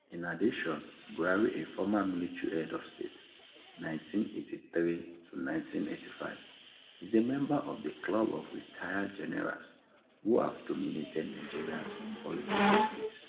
In addition, Buhari a former military head of state (1983-1985) is a member of the ‘club’ of retired generals who have dominated Nigeria’s political space.